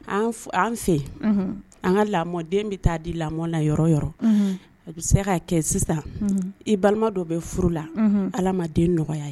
An f an' fe yen unhun an ka lamɔden bɛ taa di lamɔ na yɔrɔ yɔrɔ unhun o bi se ka kɛ sisan unhun i balima dɔ bɛ furu la unhun Ala ma den nɔgɔya